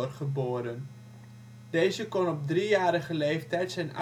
geboren. Deze kon op driejarige leeftijd zijn